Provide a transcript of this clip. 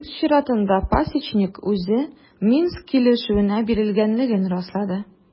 Үз чиратында Пасечник үзе Минск килешүенә бирелгәнлеген раслады.